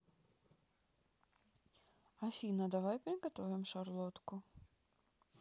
афина давай приготовим шарлотку